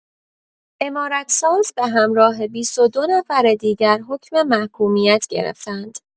عمارت ساز به همراه ۲۲ نفر دیگر حکم محکومیت گرفتند.